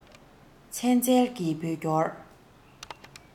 ཚན རྩལ གྱི བོད སྐྱོར